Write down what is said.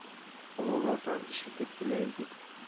Олылардан ишетеп белә идек